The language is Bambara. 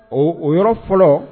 O o yɔrɔ fɔlɔ